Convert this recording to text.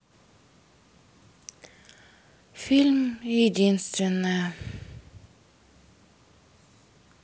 фильм единственная